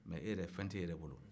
mɛ e yɛrɛ fɛn tɛ e yɛrɛ bolo